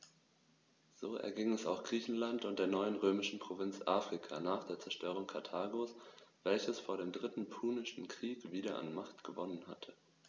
So erging es auch Griechenland und der neuen römischen Provinz Afrika nach der Zerstörung Karthagos, welches vor dem Dritten Punischen Krieg wieder an Macht gewonnen hatte.